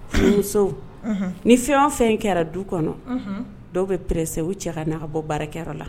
Furumuso, unhun, ni fɛn o fɛn kɛra du kɔnɔ, unhun, dɔw bɛ pressé u cɛ ka na ka bɔ baarakɛyɔrɔ la